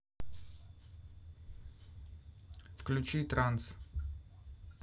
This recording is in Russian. включи транс